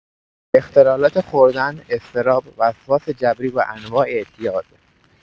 اختلالات خوردن، اضطراب، وسواس جبری و انواع اعتیاد